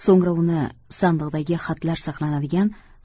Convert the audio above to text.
so'ngra uni sandiqdagi xatlar saqlanadigan